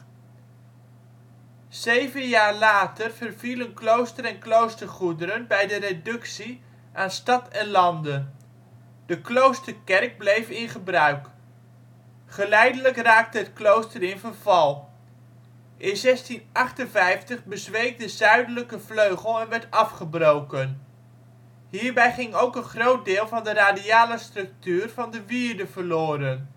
Zeven jaar later vervielen klooster en kloostergoederen bij de reductie aan Stad en Lande. De kloosterkerk bleef in gebruik. Geleidelijk raakte het klooster in verval. In 1658 bezweek de zuidelijke vleugel en werd afgebroken. Hierbij ging ook een groot deel van de radiale structuur van de wierde verloren